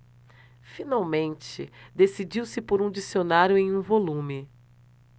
finalmente decidiu-se por um dicionário em um volume